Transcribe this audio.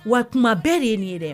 Wa tuma bɛɛ de ye nin ye dɛ